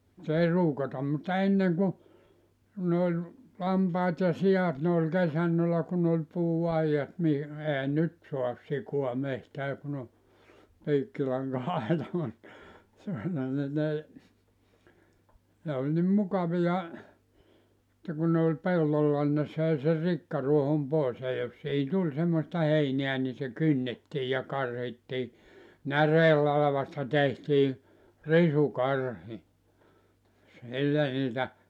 nyt ei ruukata mutta ennen kun kun ne oli lampaat ja siat ne oli kesannolla kun oli puuaidat - eihän nyt saa sikaa metsään kun on piikkilanka-aita mutta silloin niin ne ei ne oli niin mukavia että kun ne oli pellolla niin ne söi sen rikkaruohon pois ja jos siihen tuli semmoista heinää niin se kynnettiin ja karhittiin näreenlavasta tehtiin risukarhi sillä niitä